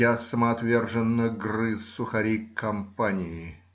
Я самоотверженно грыз сухари "компании".